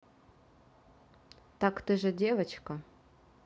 так ты же девочка